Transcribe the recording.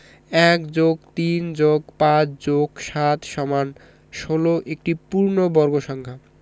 ১+৩+৫+৭=১৬ একটি পূর্ণবর্গ সংখ্যা